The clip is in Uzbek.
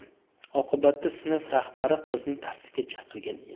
oqibatda sinf rahbari qizni tartibga chaqirgan edi